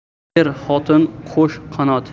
er xotin qo'shqanot